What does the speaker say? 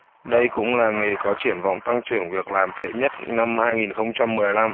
đây cũng là nghề có triển vọng tăng trưởng việc làm tệ nhất năm hai nghìn không trăm mười lăm